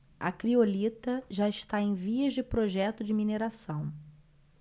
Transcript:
a criolita já está em vias de projeto de mineração